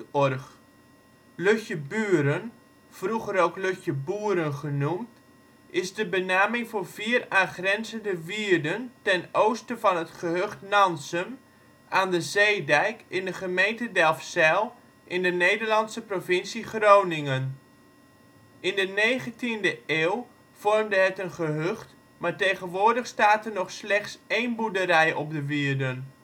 OL Lutjeburen, vroeger ook Lutjeboeren genoemd, is de benaming voor vier aangrenzende wierden ten oosten van het gehucht Nansum aan de zeedijk in de gemeente Delfzijl in de Nederlandse provincie Groningen (provincie). In de 19e eeuw vormde het een gehucht, maar tegenwoordig staat er nog slechts een boerderij op de wierden